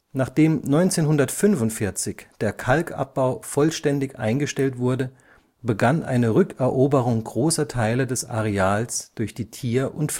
Nachdem 1945 der Kalkabbau vollständig eingestellt wurde, begann eine Rückeroberung großer Teile des Areals durch die Tier - und